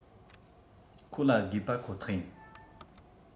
ཁོ ལ དགོས པ ཁོ ཐག ཡིན